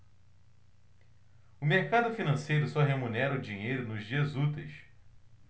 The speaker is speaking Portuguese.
o mercado financeiro só remunera o dinheiro nos dias úteis